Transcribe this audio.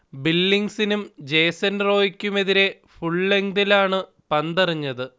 ബില്ലിങ്സിനും Jason റോയിക്കും എതിരെ ഫുൾലെങ്തിലാണു പന്തെറിഞ്ഞത്